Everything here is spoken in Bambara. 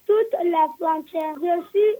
Su tɛlauranfɛn bɛ